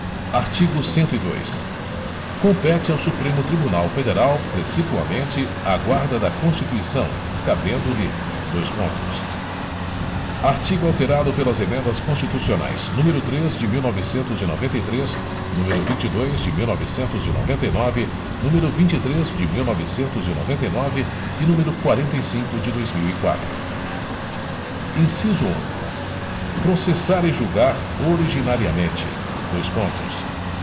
artigo cento e dois compete ao supremo tribunal federal precipuamente a guarda da constituição cabendo lhe dois pontos artigo alterado pelas emendas constitucionais número três de mil e novecentos e noventa e três número vinte e dois de mil novecentos e noventa e nove número vinte e três de mil novecentos e noventa e nove e número quarenta e cinco de dois mil e quatro inciso um processar e julgar originariamente dois pontos